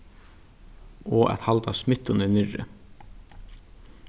og at halda smittuni niðri